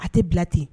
A tɛ bila ten